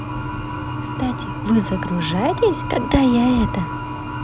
кстати вы загружаетесь когда я это